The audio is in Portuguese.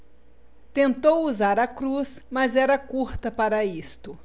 tentou usar a cruz mas era curta para isto